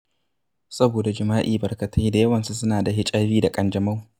Saboda jima'i barkatai, da yawansu suna da HIV da ƙanjamau.